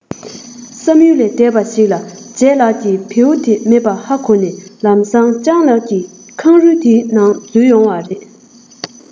བསམ ཡུལ ལས འདས པ ཞིག ལ ལྗད ལགས ཀྱིས བེའུ དེ མེད པ ཧ གོ ནས ལམ སེང སྤྱང ལགས ཀྱི ཁང ཧྲུལ དེའི ནང འཛུལ ཡོང བ རེད